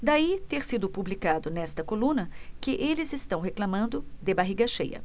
daí ter sido publicado nesta coluna que eles reclamando de barriga cheia